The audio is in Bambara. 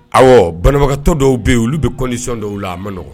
Ɔwɔ banabagatɔ dɔw bɛ yen olu bɛ kɔnsɔn dɔw la a man nɔgɔn